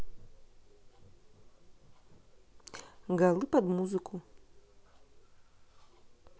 голы под музыку